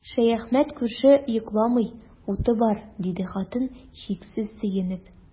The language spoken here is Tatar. Шәяхмәт күрше йокламый, уты бар, диде хатын, чиксез сөенеп.